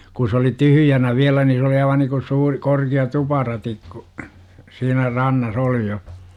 kun se oli tyhjänä vielä niin se oli aivan niin kuin suuri korkea tuparati kun siinä rannassa oli ja